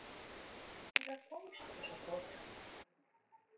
закончится работа